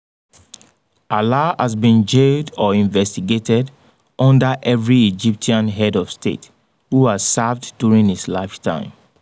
Alaa has been jailed or investigated under every Egyptian head of state who has served during his lifetime.